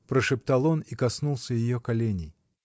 -- прошептал он и коснулся ее коленей.